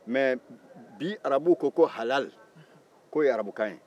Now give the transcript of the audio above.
nka bi arabuw ko halal k'o ye arabukan ye